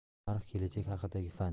tarix kelajak haqidagi fan